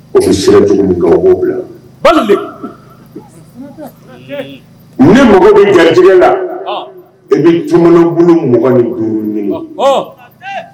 O sira jugu o b' bila ne mago bɛ garijɛ la i bɛbolo m duuru ma